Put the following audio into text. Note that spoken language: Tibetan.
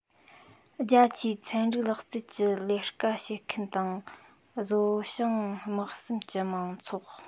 རྒྱ ཆེའི ཚན རིག ལག རྩལ གྱི ལས ཀ བྱེད མཁན དང བཟོ ཞིང དམག གསུམ གྱི མང ཚོགས